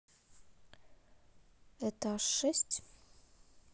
этаж шесть